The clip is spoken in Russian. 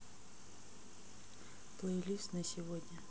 плейлист на сегодня